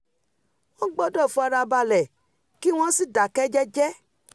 Wọ́n gbọ́dọ̀ farabalẹ̀ kí wọ́n sì dákẹ́jẹ́jẹ́.''